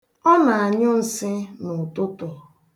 Ọ na-anyụ nsị n'ụtụtụ.